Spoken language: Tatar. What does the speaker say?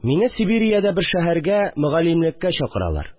Мине Сибириядә бер шәһәргә мөгаллимлеккә чакыралар